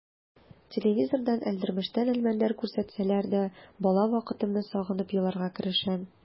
Телевизордан «Әлдермештән Әлмәндәр» күрсәтсәләр дә бала вакытымны сагынып еларга керешәм.